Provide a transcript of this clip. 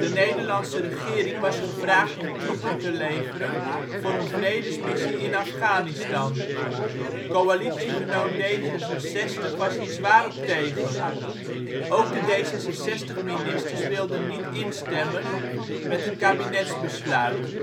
Nederlandse regering was gevraagd om troepen te leveren voor een vredesmissie in Afghanistan. Coalitiegenoot D66 was hier zwaar op tegen. Ook de D66-ministers wilden niet instemmen met een kabinetsbesluit